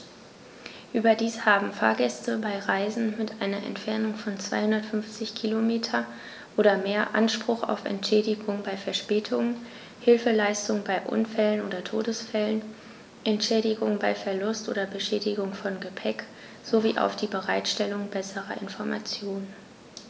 Überdies haben Fahrgäste bei Reisen mit einer Entfernung von 250 km oder mehr Anspruch auf Entschädigung bei Verspätungen, Hilfeleistung bei Unfällen oder Todesfällen, Entschädigung bei Verlust oder Beschädigung von Gepäck, sowie auf die Bereitstellung besserer Informationen.